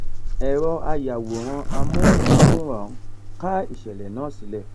Ẹ̀rọ-ayàwòrán amóhùnmáwòrán ká ìṣẹ̀lẹ̀ náà sílẹ̀.